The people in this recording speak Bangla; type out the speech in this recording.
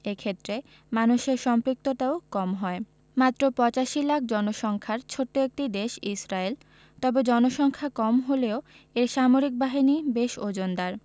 এ ক্ষেত্রে মানুষের সম্পৃক্ততাও কম হয় মাত্র ৮৫ লাখ জনসংখ্যার ছোট্ট একটি দেশ ইসরায়েল তবে জনসংখ্যা কম হলেও এর সামরিক বাহিনী বেশ ওজনদার